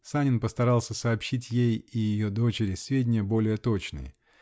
Санин постарался сообщить ей и ее дочери сведения более точные.